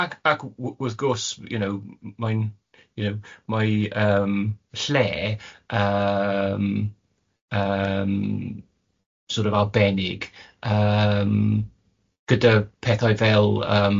ac ac w- wrth gwrs you know m- mae'n you know mae yym lle yym, yym sort of arbennig yym gyda pethau fel yym